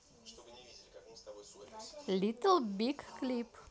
little big клип